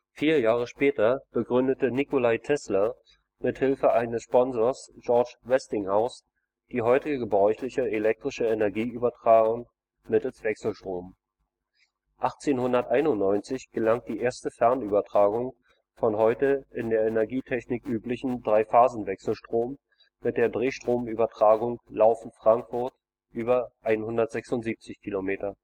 Vier Jahre später begründete Nikola Tesla mit Hilfe seines Sponsors George Westinghouse die heute gebräuchliche elektrische Energieübertragung mittels Wechselstrom. 1891 gelang die erste Fernübertragung von heute in der Energietechnik üblichen Dreiphasenwechselstrom mit der Drehstromübertragung Lauffen – Frankfurt über 176 km